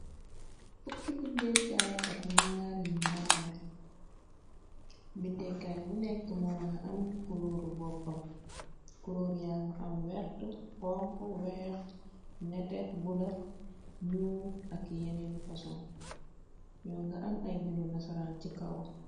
Fukki bindeekaay, ak ñaar yu ñu ranale, bindeekaay bu nekk moo nga am kulóoru boppam, kulóor yaa nga am wert, xon, weex, nete, bu la, ñuu, ak yeneeni foson, ñoo nga am ay bindu nasaraan ci kaw.